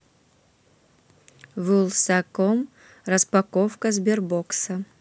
wylsacom распаковка сбербокса